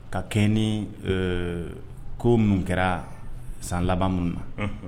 Ka kɛ ni ko minnu kɛra san laban minnu na